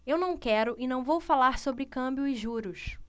eu não quero e não vou falar sobre câmbio e juros